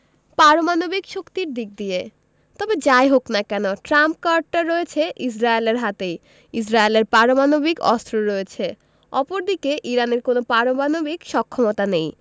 পারমাণবিক শক্তির দিক দিয়ে তবে যা ই হোক না কেন ট্রাম্প কার্ডটা রয়েছে ইসরায়েলের হাতেই ইসরায়েলের পারমাণবিক অস্ত্র রয়েছে অপরদিকে ইরানের কোনো পারমাণবিক সক্ষমতা নেই